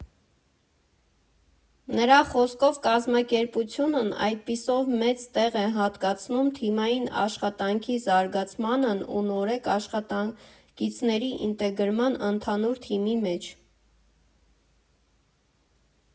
Նրա խոսքով՝ կազմակերպությունն այդպիսով մեծ տեղ է հատկացնում թիմային աշխատանքի զարգացմանն ու նորեկ աշխատակիցների ինտեգրմանն ընդհանուր թիմի մեջ։